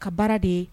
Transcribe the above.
Ka baara de ye